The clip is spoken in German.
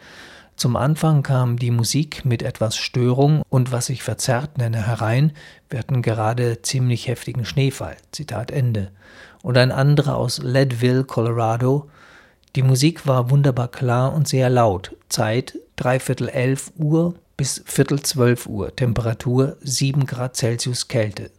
Zum Anfang kam [die Musik] mit etwas Störung und was ich verzerrt nenne, herein. Wir hatten gerade ziemlich heftigen Schneefall. “Und ein anderer aus Leadville, Colorado: „ Die Musik war wunderbar klar und sehr laut. Zeit ¾ 11 bis ¼ 12 Uhr, Temperatur 7° C Kälte